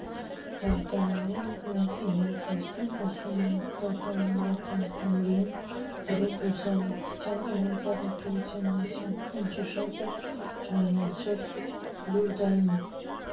Պատանիներն էլ իրենց հերթին խոսում էին պահպանողական Գյումրիում ռոք֊լուսավորչության իրենց առաքելության մասին, ինչը շատ էր ջղայնացրել Լյուդային։